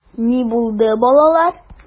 Ни булды, балалар?